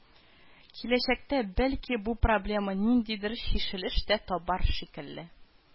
Киләчәктә, бәлки, бу проблема ниндидер чишелеш тә табар шикелле